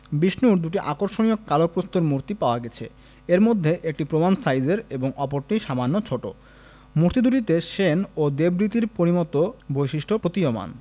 বিষ্ণুর দুটি আকর্ষণীয় কালো প্রস্তর মূর্তি পাওয়া গেছে এর মধ্যে একটি প্রমাণ সাইজের এবং অপরটি সামান্য ছোট মূর্তি দুটিতে সেন ও দেব রীতির পরিণত বৈশিষ্ট্য প্রতীয়মান